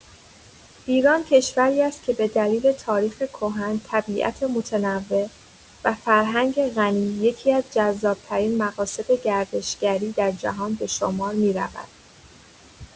ایران کشوری است که به دلیل تاریخ کهن، طبیعت متنوع، و فرهنگ غنی، یکی‌از جذاب‌ترین مقاصد گردشگری در جهان به شمار می‌رود.